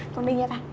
con đi nha ba